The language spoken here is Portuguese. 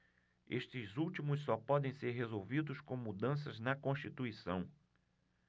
estes últimos só podem ser resolvidos com mudanças na constituição